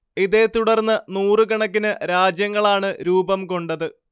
ഇതെത്തുടർന്ന് നൂറുകണക്കിന് രാജ്യങ്ങളാണ് രൂപം കൊണ്ടത്